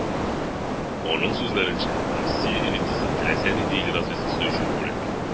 Аның сүзләренчә, Россия элитасы - теләсә нинди ил разведкасы өчен бүләк.